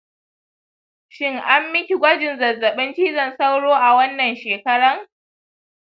shin an miki gwajin zazzabin cizon sauro a wannan shekaran?